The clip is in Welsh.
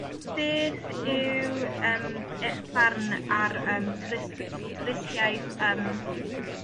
beth yw yym eich barn ar yym twrist- twristiaeth yym